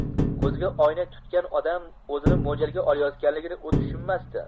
ko'ziga oynak tutgan odam o'zini mo'ljalga olayotganligini u tushunmasdi